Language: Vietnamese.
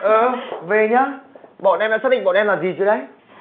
ờ về nhá bọn em đã xác định bọn em là gì chưa đấy